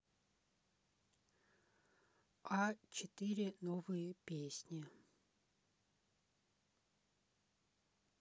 а четыре новые песни